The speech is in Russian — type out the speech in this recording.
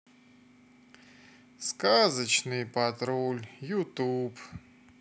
сказочный патруль ютуб